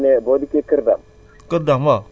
boo génnee boo dikkee Kër Dame